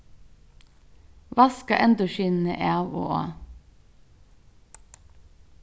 vaska endurskinini av og á